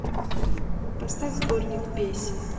поставь сборник песен